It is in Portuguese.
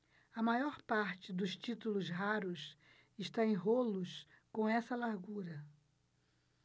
a maior parte dos títulos raros está em rolos com essa largura